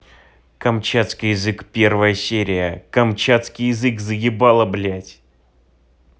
камчатский язык первая серия камчатский язык заебала блядь